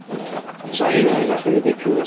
Na... 'Sa rheina'n edrych yn ridiculous?